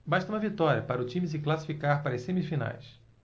basta uma vitória para o time se classificar para as semifinais